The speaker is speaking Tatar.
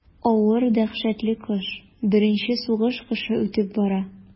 Авыр дәһшәтле кыш, беренче сугыш кышы үтеп бара.